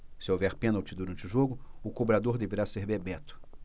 se houver pênalti durante o jogo o cobrador deverá ser bebeto